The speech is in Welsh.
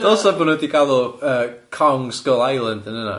Dylse bod nhw wedi galw yy Kong Skull Island yn hynna?